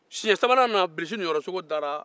siyɛn sabanan na bilisi niyɔrɔsogo da la